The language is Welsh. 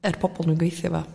yr bobol dwi'n gweithio 'fo